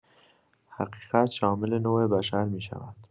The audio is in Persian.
حقیقت شامل نوع بشر می‌شود.